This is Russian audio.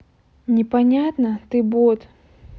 не понятно ты бот